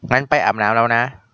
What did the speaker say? ไปอาบน้ำแล้วเนี่ย